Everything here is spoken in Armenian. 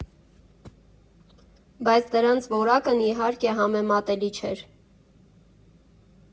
Բայց դրանց որակն իհարկե համեմատելի չէր։